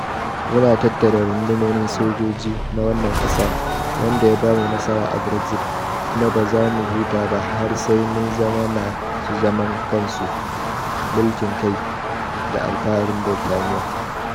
Mu na tattara rundunonin sojoji na wannan kasa wanda ya ba mu nasara a Brexit kuma ba za mu huta ba har sai mun zama masu zaman kansu, mulkin kai, da Alfaharin Britaniya.'